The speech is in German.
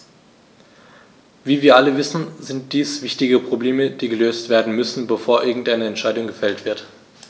Wie wir alle wissen, sind dies wichtige Probleme, die gelöst werden müssen, bevor irgendeine Entscheidung gefällt wird.